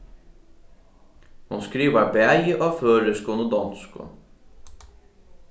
hon skrivar bæði á føroyskum og donskum